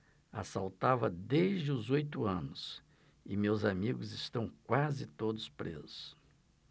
assaltava desde os oito anos e meus amigos estão quase todos presos